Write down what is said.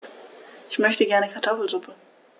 Ich möchte gerne Kartoffelsuppe.